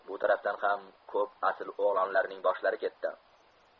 bu tarafdan ham ko'p asl o'g'lonlarning boshlari ketdi